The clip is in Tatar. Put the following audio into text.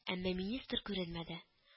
Әмма министр күренмәде